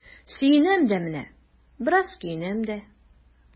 Сөенәм дә менә, бераз көенәм дә.